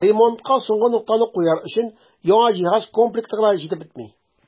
Ремонтка соңгы ноктаны куяр өчен яңа җиһаз комплекты гына җитеп бетми.